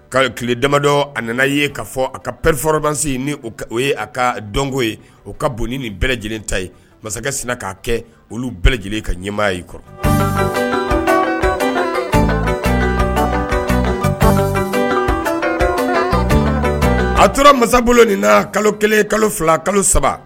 Kalo tilele damadɔ a nana ye k'a fɔ a ka porobase ni o ye a ka dɔnko ye o ka bon ni bɛɛ lajɛlen ta ye masakɛ k'a kɛ olu bɛɛ lajɛlen ka ɲɛmaa y'i kɔrɔ a tora masa bolo ni na kalo kelen kalo fila kalo saba